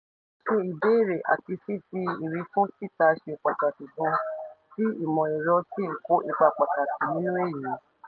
Ṣíṣe ìbéèrè àti fífi ìwífún síta ṣe pàtàkì gidi gan, tí ìmọ̀-ẹ̀rọ sì ń kó ipa pàtàkì nínú èyí.